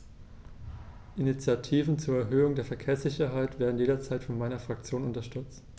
Initiativen zur Erhöhung der Verkehrssicherheit werden jederzeit von meiner Fraktion unterstützt.